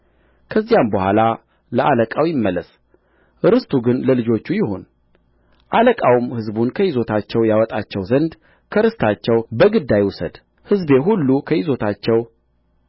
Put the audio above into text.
ከዚያም በኋላ ለአለቃው ይመለስ ርስቱ ግን ለልጆቹ ይሁን አለቃውም ሕዝቡን ከይዞታቸው ያወጣቸው ዘንድ ከርስታቸው በግድ አይውሰድ ሕዝቤ ሁሉ ከይዞታቸው